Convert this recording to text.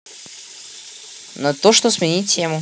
на то что сменить тему